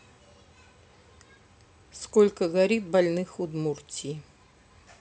сколько горит больных удмуртии